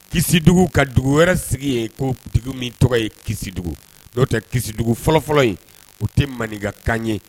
Kisidugu ka dugu wɛrɛ sigi yen kotigiw min tɔgɔ ye kisidugu'o tɛ kisi dugu fɔlɔfɔlɔ ye u tɛ maninkakan ye